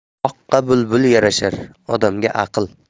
boqqa bulbul yarashar odamga aql